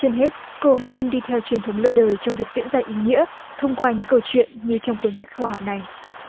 trên hết cô hay kim đi theo truyền thống lâu đời trong việc diễn ra ý nghĩa thông qua những câu chuyện như trong cuốn sách khoa học nà